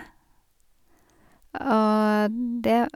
Og det...